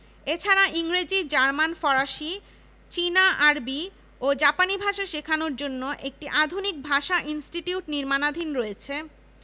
north east medical college এবং Sylhet women's medical college ফলিত বিজ্ঞান অনুষদের অন্তর্ভুক্ত আছে একটি ইঞ্জিনিয়ারিং কলেজ